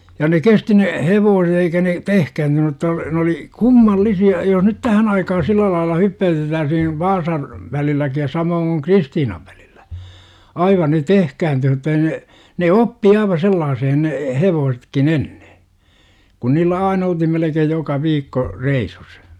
ja ne kesti ne hevoset eikä ne tehkääntynyt jotta ne oli kummallisia jos nyt tähän aikaan sillä lailla hyppäytettäisiin Vaasan välilläkin ja samoin kuin Kristiinan välillä aivan ne tehkääntyy mutta ei ne ne oppi aivan sellaiseen ne hevosetkin ennen kun niillä aina oltiin melkein joka viikko reissussa